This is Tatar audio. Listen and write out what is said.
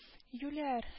– юләр